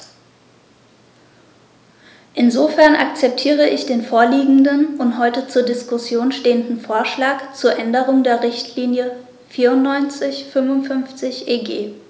Insofern akzeptiere ich den vorliegenden und heute zur Diskussion stehenden Vorschlag zur Änderung der Richtlinie 94/55/EG.